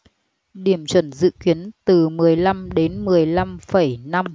điểm chuẩn dự kiến từ mười lăm đến mười lăm phẩy năm